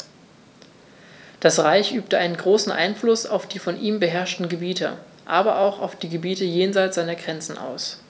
Das Reich übte einen großen Einfluss auf die von ihm beherrschten Gebiete, aber auch auf die Gebiete jenseits seiner Grenzen aus.